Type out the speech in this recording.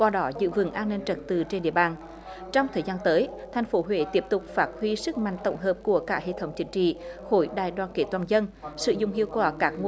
qua đó giữ vững an ninh trật tự trên địa bàn trong thời gian tới thành phố huế tiếp tục phát huy sức mạnh tổng hợp của cả hệ thống chính trị khối đại đoàn kết toàn dân sử dụng hiệu quả các nguồn